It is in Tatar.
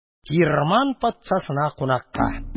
Кирман патшасына кунакка